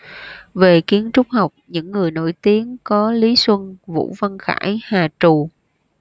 về kiến trúc học những người nổi tiếng có lý xuân vũ văn khải hà trù